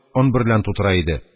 Он берлән тутыра иде.